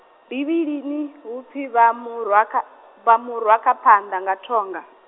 Bivhilini, hu pfi vha mu rwa kha, vha mu rwa kha phanḓa nga thonga.